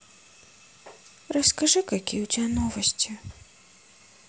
расскажи какие у тебя новости